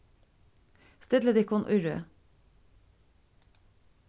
stillið tykkum í røð